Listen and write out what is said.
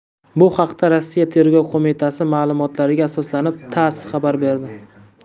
bu haqda rossiya tergov qo'mitasi ma'lumotlariga asoslanib tass xabar berdi